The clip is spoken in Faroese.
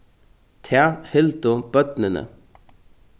tað hildu børnini